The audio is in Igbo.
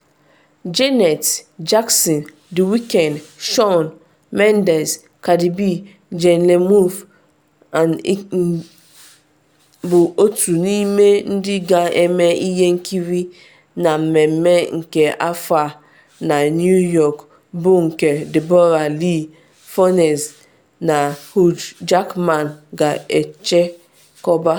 Janet Jackson, The Weeknd, Shawn Mendes, Cardi B, Janelle Monáe bụ otu n’ime ndị ga-eme ihe nkiri na mmemme nke afọ a na New York, bụ nke Deborra-Lee Furness na Hugh Jackman ga-achịkọba.